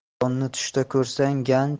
ilonni tushda ko'rsang